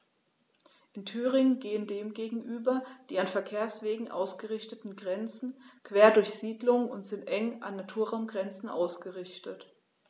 In Thüringen gehen dem gegenüber die an Verkehrswegen ausgerichteten Grenzen quer durch Siedlungen und sind eng an Naturraumgrenzen ausgerichtet.